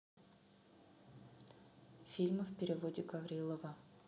фильмы в переводе гаврилова